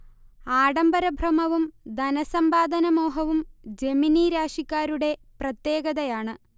ആഡംബര ഭ്രമവും ധനസമ്പാദന മോഹവും ജമിനി രാശിക്കാരുടെ പ്രത്യേകതയാണ്